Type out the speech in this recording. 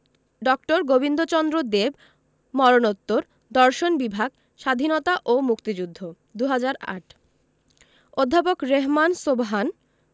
ড. গোবিন্দচন্দ্র দেব মরনোত্তর দর্শন বিভাগ স্বাধীনতা ও মুক্তিযুদ্ধ ২০০৮ অধ্যাপক রেহমান সোবহান